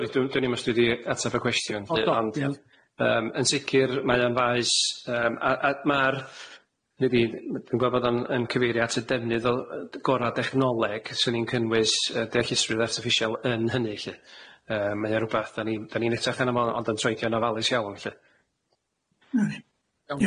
O sori dwn- dwnim os dwi 'di ateb y cwestiwn yy ond yym yn sicir mae o'n faes yym a- a- ma'r hynny 'di m- dwi'n gweld bod o'n yn cyfeirio at y defnydd o yy gora' dechnoleg 'swn i'n cynnwys yy deallusrwydd artiffisial yn hynny lly yy mae o rwbath 'da ni 'dan i'n edrach arno fo ond yn troedio'n ofalus iawn lly.